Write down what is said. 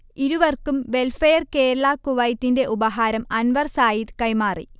ഇരുവർക്കും വെൽഫെയർ കേരള കുവൈറ്റിന്റെ ഉപഹാരം അൻവർ സയീദ് കൈമാറി